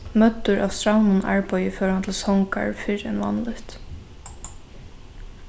møddur av strævnum arbeiði fór hann til songar fyrr enn vanligt